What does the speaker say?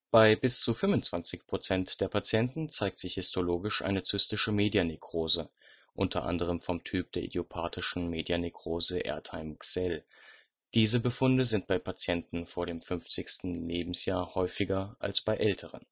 Bei bis zu 25 % der Patienten zeigt sich histologisch eine zystische Medianekrose (u. a. vom Typ der Idiopathischen Medianekrose Erdheim-Gsell), diese Befunde sind bei Patienten vor dem 50. Lebensjahr häufiger als bei älteren